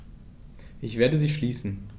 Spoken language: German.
Ich werde sie schließen.